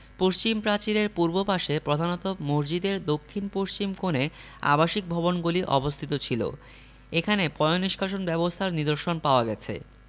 পশ্চিম প্রাচীরের পূর্ব পাশে প্রধানত মসজিদের দক্ষিণ পশ্চিম কোণে আবাসিক ভবনগুলি অবস্থিত ছিল এখানে পয়োনিষ্কাশন ব্যবস্থার নিদর্শন পাওয়া গেছে